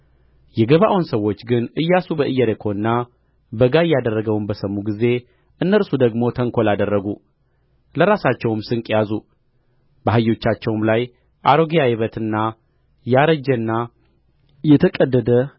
የገባዖን ሰዎች ግን ኢያሱ በኢያሪኮና በጋይ ያደረገውን በሰሙ ጊዜ እነርሱ ደግሞ ተንኰል አደረጉ ለራሳቸውም ስንቅ ያዙ በአህዮቻቸውም ላይ አሮጌ ዓይበትና ያረጀና የተቀደደ